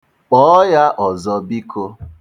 Kpọ̀ọ ya ọ̀zọ bikō!